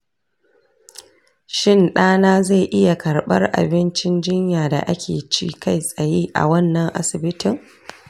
shin ɗa na zai iya karɓar abincin jinya da ake ci kai tsaye a wannan asibitin?